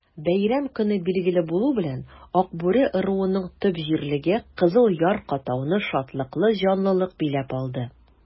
Бәйрәм көне билгеле булу белән, Акбүре ыруының төп җирлеге Кызыл Яр-катауны шатлыклы җанлылык биләп алды.